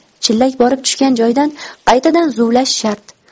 chillak borib tushgan joydan qaytadan zuvlash shart